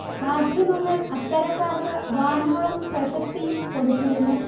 മാധ്യമങ്ങൾ അത്തരക്കാർക്ക് വാനോളം പ്രശസ്തിയും കൊടുത്തിരുന്നു